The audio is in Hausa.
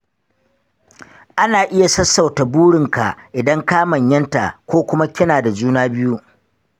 ana iya sassauta burin ka idan ka manyanta ko kuma kina da juna biyu.